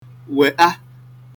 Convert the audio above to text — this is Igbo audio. wèṭa